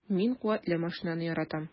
Мин куәтле машинаны яратам.